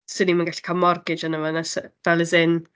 'swn ni'm yn gallu cael mortgage arno fo na 'sa? Fel, as in...